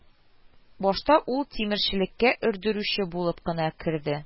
Башта ул тимерчелеккә өрдерүче булып кына керде